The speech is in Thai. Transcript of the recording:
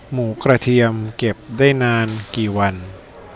หมูกระเทียมเก็บได้นานกี่วัน